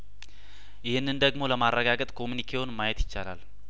ይህንን ደግሞ ለማረጋገጥ ኮምኒ ኬውን ማየት ይችላል